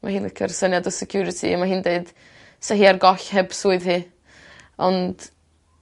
Mae hi'n licio'r syniad o security a ma' hi'n deud sa hi ar goll heb swydd hi. Ond